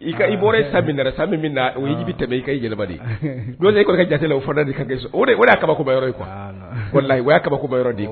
Bɔra sa sa tɛmɛ i ka jɔn kɔrɔkɛ ja o da o ye kabako o kabakoba de